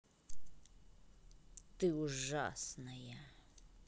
ты ужасная